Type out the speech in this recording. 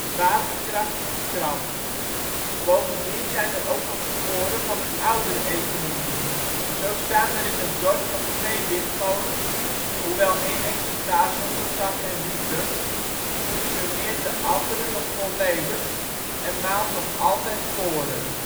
Waterkracht en Kramp. Bovendien zijn er ook nog sporen van een oudere economie. Zo staan er in het dorp nog twee windmolens, hoewel een exemplaar zonder kap en wieken, functioneert de andere (" de Engel ")- nog volledig en maalt nog altijd koren